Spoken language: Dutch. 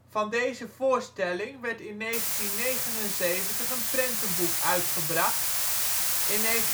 Van deze voorstelling werd in 1979 een prentenboek uitgebracht, in 1987